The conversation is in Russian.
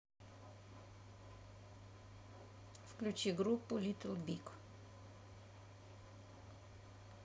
включи группу литл биг